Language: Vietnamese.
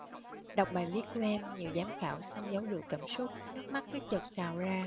đọc bài viết của em nhiều giám khảo không giấu được cảm xúc nước mắt cứ chực trào ra